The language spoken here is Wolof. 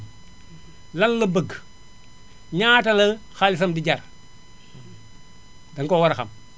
lan la bëgg ñaata la xaalisam di jar danga koo war a xam